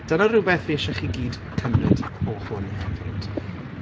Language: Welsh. Dyna rhywbeth fi isie i chi gyd cymryd o hwn hefyd.